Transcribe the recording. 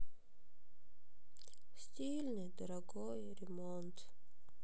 стильный дорогой ремонт